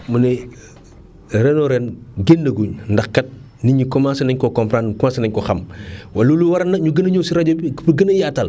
mu ne ren o ren génnaguñu ndax kat nit ñi commencé nañ koo comprendre commencé nañ ko xam waaw looloo waral nañu gën a ñëw si rajo bi pour gën a yaataal %hu